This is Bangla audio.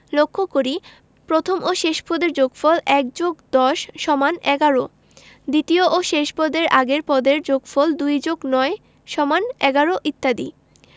লক্ষ করি প্রথম ও শেষ পদের যোগফল ১+১০=১১ দ্বিতীয় ও শেষ পদের আগের পদের যোগফল ২+৯=১১ ইত্যাদি